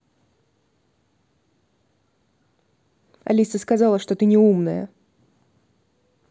алиса сказала что ты не умная